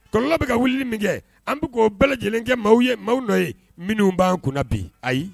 Kɔlɔlɔ bɛ ka wuli min kɛ an bɛ k'o bɛɛ lajɛlen kɛ maaw ye maaw nɔ ye minnu b'an kunna bin ayi